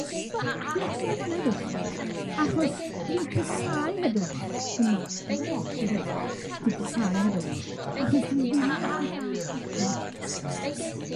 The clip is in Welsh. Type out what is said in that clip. stopiwch sôn am heddwch, achos dwi'n casáu heddwch, dwi'n casáu heddwch, achos dwi ddim yn gallu dallt be 'di o.